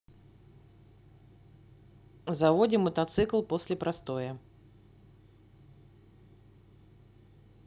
заводим мотоцикл после простоя